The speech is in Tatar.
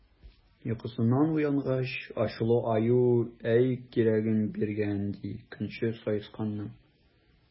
Йокысыннан уянгач, ачулы Аю әй кирәген биргән, ди, көнче Саесканның!